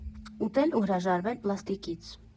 Ուտել ու հրաժարվել պլաստիկից։